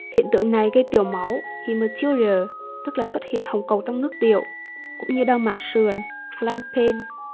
hiện tượng này gây tiểu máu tức là xuất hiện hồng cầu trong nước tiểu cũng như đau mạn sườn